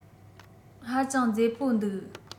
ཧ ཅང མཛེས པོ འདུག